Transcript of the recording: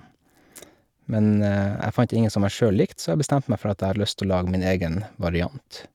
Men jeg fant ingen som jeg sjøl likte, så jeg bestemte meg for at jeg hadde lyst til å lage min egen variant.